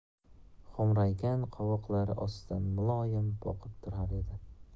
xo'mraygan qovoqlari ostidan muloyim boqib turar edi